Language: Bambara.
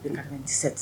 U ka sɛ